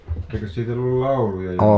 eikös siitä ollut lauluja